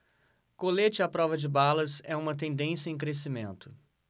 colete à prova de balas é uma tendência em crescimento